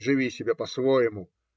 Живи себе по-своему.